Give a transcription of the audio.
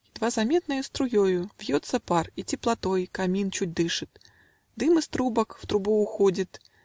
Едва заметною струею Виется пар, и теплотой Камин чуть дышит. Дым из трубок В трубу уходит.